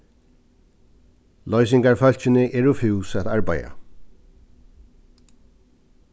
loysingarfólkini eru fús at arbeiða